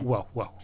waaw waaw